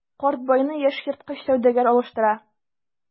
Карт байны яшь ерткыч сәүдәгәр алыштыра.